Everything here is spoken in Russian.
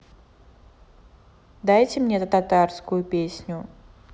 дайте мне татарскую песню